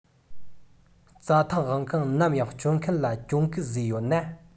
རྩྭ ཐང དབང མཁན ནམ ཡང ན སྤྱོད མཁན ལ གྱོང གུན བཟོས ཡོད ན